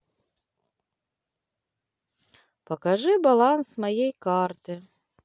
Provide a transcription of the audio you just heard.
покажи баланс моей карты